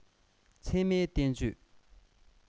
ཚད མའི བསྟན བཅོས